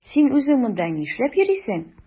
Син үзең монда нишләп йөрисең?